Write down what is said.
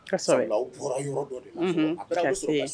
Bɔra yɔrɔ dɔ de